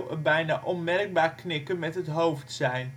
een bijna onmerkbaar knikken met het hoofd zijn